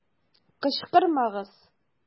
Кычкырмагыз!